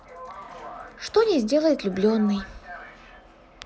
что не сделает влюбленный